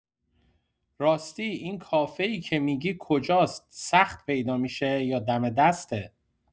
راستی این کافه‌ای که می‌گی کجاست، سخت پیدا می‌شه یا دم دسته؟